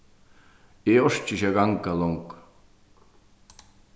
eg orki ikki at ganga longur